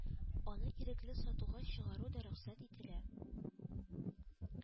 Аны ирекле сатуга чыгару да рөхсәт ителә